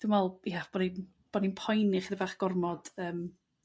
Dwi me'wl ia bo' ni'n bo' ni'n poeni 'chydig bach gormod yrm.